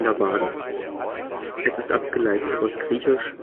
Wagen. Es ist abgeleitet aus griechisch